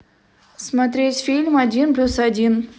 смотреть фильм один плюс один